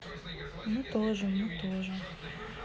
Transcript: мы тоже мы тоже